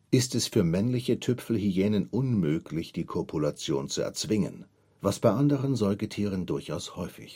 ist es für männliche Tüpfelhyänen unmöglich, die Kopulation zu erzwingen, was bei anderen Säugetieren durchaus häufig